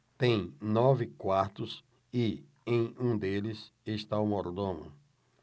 tem nove quartos e em um deles está o mordomo